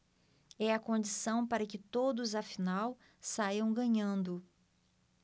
é a condição para que todos afinal saiam ganhando